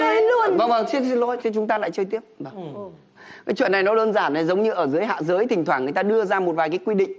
vâng vâng xin lỗi chúng ta lại chơi tiếp vâng chuyện này nó đơn giản giống như ở dưới hạ giới thỉnh thoảng người ta đưa ra một vài cái quy định